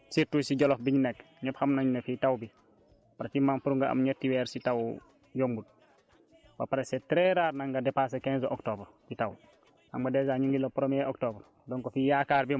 parce que boo xoolee dugub surtout si Djolof biñ nekk ñëpp xam nañ ne fii taw bi fii moom pour nga am ñetti weer si taw yombul ba pare c' est très rare nag nga dépasser quinze octobre ci taw